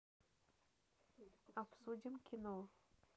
обсудим кино